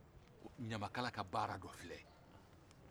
a bɛ nin kɛ